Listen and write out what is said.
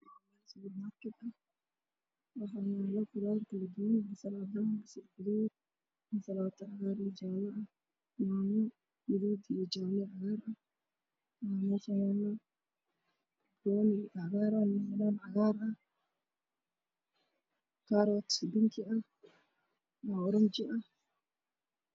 Waa meel ay yaalaan qudaar farabadan sida yaanyo